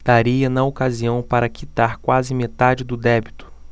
daria na ocasião para quitar quase metade do débito